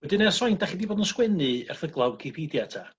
Wedyn ers faint 'dach chi 'di bod yn sgwennu erthygla wicipedia 'ta?